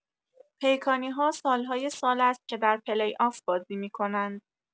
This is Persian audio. پیکانی‌ها سال‌های سال است که در پلی‌آف بازی می‌کنند.